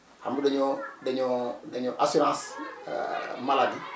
xam nga dañoo dañoo dañoo assurance maladie